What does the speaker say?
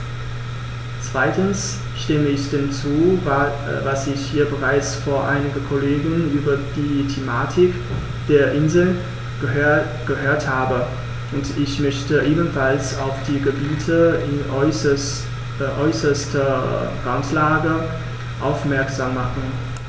Zweitens stimme ich dem zu, was ich hier bereits von einem Kollegen über die Thematik der Inseln gehört habe, und ich möchte ebenfalls auf die Gebiete in äußerster Randlage aufmerksam machen.